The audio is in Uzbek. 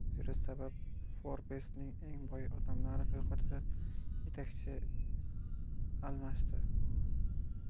virus sabab forbes'ning eng boy odamlar ro'yxatida yetakchi almashdi